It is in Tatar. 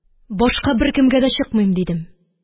Башка беркемгә дә чыкмыйм, дидем.